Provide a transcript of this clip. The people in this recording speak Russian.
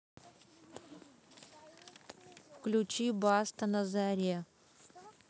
включи баста на заре